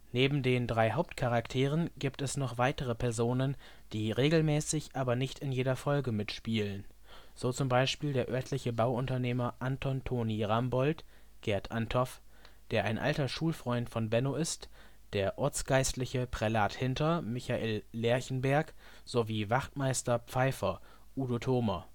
Neben den drei Hauptcharakteren gibt es noch weitere Personen, die regelmäßig, aber nicht in jeder Folge mitspielen, so z.B. der örtliche Bauunternehmer Anton „ Toni “Rambold (Gerd Anthoff), der ein alter Schulfreund von Benno ist, der Ortsgeistliche Prälat Hinter (Michael Lerchenberg), sowie Wachtmeister Pfeiffer (Udo Thomer